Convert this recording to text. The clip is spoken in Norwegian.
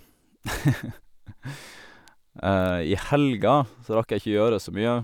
I helga så rakk jeg ikke gjøre så mye.